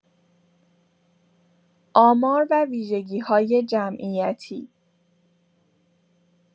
آمار و ویژگی‌های جمعیتی